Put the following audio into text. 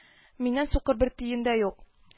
- миннән сукыр бер тиен дә юк